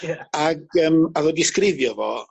Ie. Ag yym a o'dd o disgrifio fo